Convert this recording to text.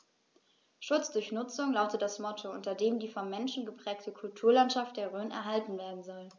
„Schutz durch Nutzung“ lautet das Motto, unter dem die vom Menschen geprägte Kulturlandschaft der Rhön erhalten werden soll.